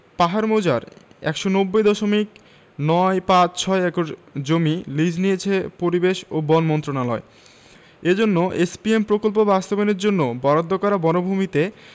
পাহাড় মৌজার ১৯০ দশমিক নয় পাঁচ ছয় একর ভূমি লিজ দিয়েছে পরিবেশ ও বন মন্ত্রণালয় এজন্য এসপিএম প্রকল্প বাস্তবায়নের জন্য বরাদ্দ করা বনভূমিতে